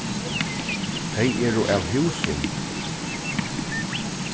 tey eru av húsum